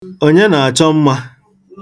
Onye na-achọ mma?